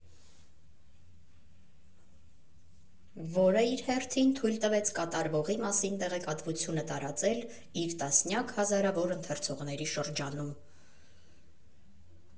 Որը իր հերթին թույլ տվեց կատարվողի մասին տեղեկատվությունը տարածել իր տասնյակ հազարավոր ընթերցողների շրջանում։